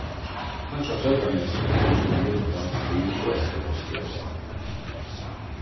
fólk á trøllanesi komu so til mikladals við og eftir posti av og á